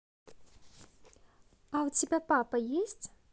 а у тебя папа есть